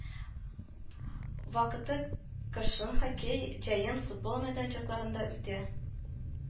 Вакыты кышын хоккей, җәен футбол мәйданчыкларында үтә